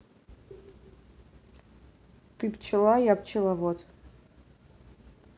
ты пчела я пчеловод